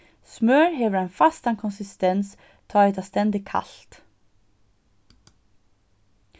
smør hevur ein fastan konsistens tá ið tað stendur kalt